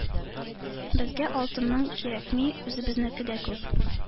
— безгә алтының кирәкми — үзебезнеке дә күп.